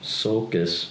Sorgus.